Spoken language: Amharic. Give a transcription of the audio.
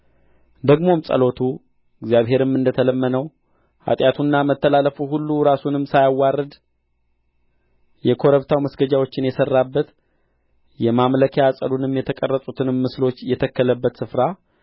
ደግሞም ጸሎቱ እግዚአብሔርም እንደ ተለመነው ኃጢያቱና መተላለፉ ሁሉ ራሱንም ሳያዋርድ የኮረብታው መስገጃዎችን የሠራበት የማምለኪያ ዐፀዱንና የተቀረጹትንም ምስሎች የተከለበት ስፍራ